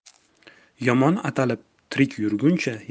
yomon atalib tirik yurguncha